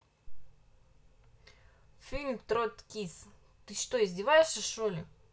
фильм троцкист ты что издеваешься что ли